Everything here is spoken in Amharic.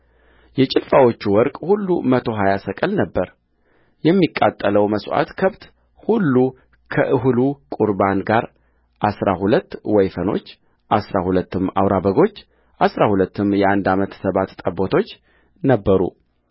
የጭልፋዎቹ ወርቅ ሁሉ መቶ ሀያ ሰቅል ነበረየሚቃጠለው መሥዋዕት ከብት ሁሉ ከእህሉ ቍርባን ጋር አሥራ ሁለት ወይፈኖች አሥራ ሁለትም አውራ በጎች አሥራ ሁለትም የአንድ ዓመት ተባት ጠቦቶች ነበሩ